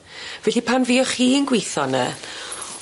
Felly pan fuoch chi'n gweitho 'ny